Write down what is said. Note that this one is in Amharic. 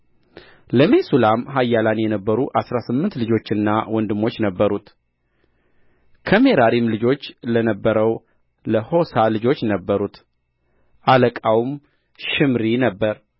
ለሜሱላም ኃያላን የነበሩ አሥራ ስምንት ልጆችና ወንድሞች ነበሩት ከሜራሪም ልጆች ለነበረው ለሖሳ ልጆች ነበሩት አለቃውም ሽምሪ ነበረ